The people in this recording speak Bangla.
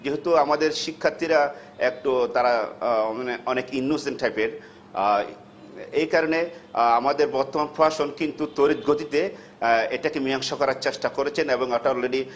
যেহেতু আমাদের শিক্ষার্থীরাএকটু তারা অনেক ইনোসেন্ট টাইপের এই কারণে বর্তমান প্রশাসন কিন্তু তড়িৎ গতিতে এটাকে মীমাংসা করার চেষ্টা করছেন এবং এটা অলরেডি